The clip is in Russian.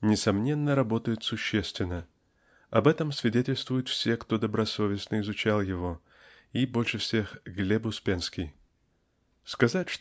несомненно работает существенно--об этом свидетельствуют все кто добросовестно изучал его и больше всех -- Глеб Успенский. Сказать